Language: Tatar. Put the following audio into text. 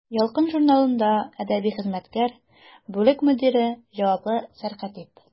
«ялкын» журналында әдәби хезмәткәр, бүлек мөдире, җаваплы сәркәтиб.